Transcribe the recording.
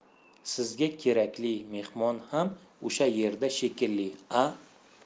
sizga kerakli mehmon ham o'sha yerda shekilli a